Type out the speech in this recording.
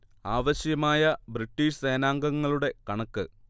ആവശ്യമായ ബ്രിട്ടീഷ് സേനാംഗങ്ങളുടെ കണക്ക്